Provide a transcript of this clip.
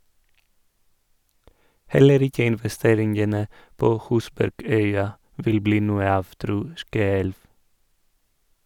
Heller ikke investeringene på Husbergøya vil bli noe av, tror Skøelv.